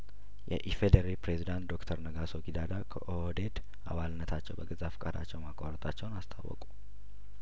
የኢፌዴሪ ፕሬዝዳንት ዶክተር ነጋሶ ጊዳዳ ከኦህዴድ አባልነታቸው በገዛ ፈቃዳቸው ማቋረጣቸውን አስታወቁ